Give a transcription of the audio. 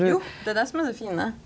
jo det er det som er det fine.